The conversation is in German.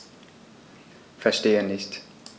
Verstehe nicht.